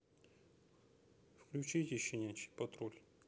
включите щенячий патруль